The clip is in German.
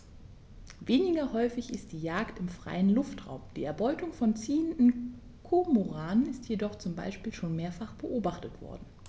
Weniger häufig ist die Jagd im freien Luftraum; die Erbeutung von ziehenden Kormoranen ist jedoch zum Beispiel schon mehrfach beobachtet worden.